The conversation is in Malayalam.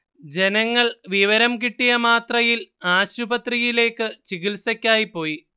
ജനങ്ങൾ വിവരം കിട്ടിയമാത്രയിൽ ആശുപത്രികളിലേക്ക് ചികിത്സക്കായി പോയി